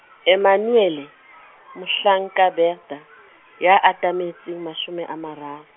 Emmanuele, Mohlanka Bertha, ya atametseng mashome a mararo.